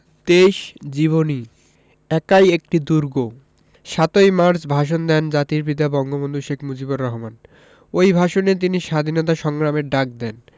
২৩ জীবনী একাই একটি দুর্গ ৭ই মার্চ ভাষণ দেন জাতির পিতা বঙ্গবন্ধু শেখ মুজিবুর রহমান ওই ভাষণে তিনি স্বাধীনতা সংগ্রামের ডাক দেন